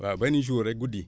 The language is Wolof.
waaw benn jour rekk guddi